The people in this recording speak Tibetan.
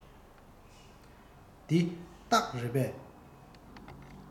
འདི སྟག རེད པས